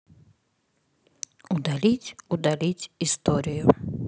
удалить удалить историю